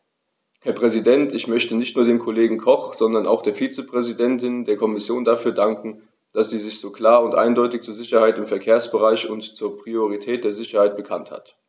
Herr Präsident, ich möchte nicht nur dem Kollegen Koch, sondern auch der Vizepräsidentin der Kommission dafür danken, dass sie sich so klar und eindeutig zur Sicherheit im Verkehrsbereich und zur Priorität der Sicherheit bekannt hat.